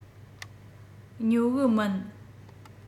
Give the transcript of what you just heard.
ཉོ གི མིན